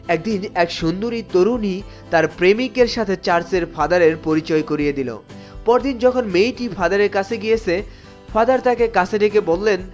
একদিন এক সুন্দরী তরুণী তার প্রেমিকের সাথে চার্চের ফাদারের পরিচয় করিয়ে দিল তখন মেয়েটি ফাদারের কাছে গিয়েছে ফাদার তাকেই কাছে ডেকে বললেন